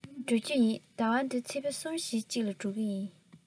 ད དུང སོང མེད ཟླ བ འདིའི ཚེས གསུམ བཞིའི གཅིག ལ འགྲོ གི ཡིན